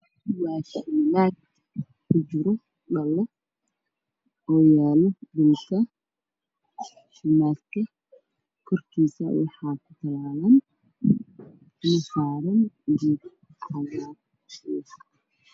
Waxaa ii muuqda koob dhalo oo ku jiro shilimaad yada waxaa ka baxaayo geed cagaar waxaa kaloo ii muuqdo shilimaad badan oo saaran